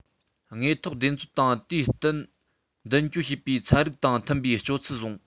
དངོས ཐོག བདེན འཚོལ དང དུས བསྟུན མདུན སྐྱོད བྱེད པའི ཚན རིག དང མཐུན པའི སྤྱོད ཚུལ བཟུང